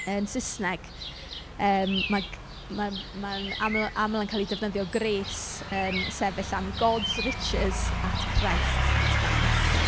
Yn Saesneg yym ma' g- ma' ma'n aml aml yn cael ei defnyddio grace yn sefyll am God's riches at Christ's expense.